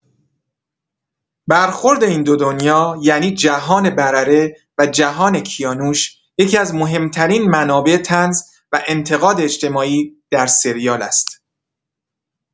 برخورد این دو دنیا، یعنی جهان برره و جهان کیانوش، یکی‌از مهم‌ترین منابع طنز و انتقاد اجتماعی در سریال است.